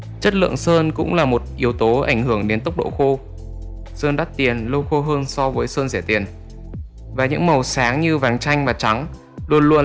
chất lượng sơn cũng là yếu tố ảnh hưởng đến tốc độ khô sơn đắt tiền lâu khô hơn so với sơn rẻ tiền và những gam màu sáng như trắng luôn luôn lâu khô hơn